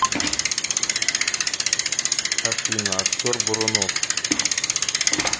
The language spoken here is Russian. афина актер бурунов